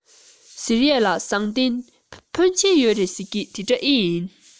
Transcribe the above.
ཟེར ཡས ལ ཟངས གཏེར འཕོན ཆེན ཡོད རེད ཟེར གྱིས དེ འདྲ ཨེ ཡིན